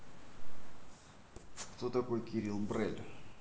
кто такой кирилл брель